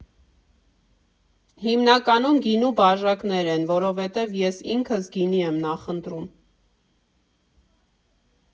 Հիմնականում գինու բաժակներ են, որովհետև ես ինքս գինի եմ նախընտրում։